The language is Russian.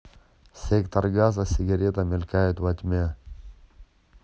сектор газа сигарета мелькает во тьме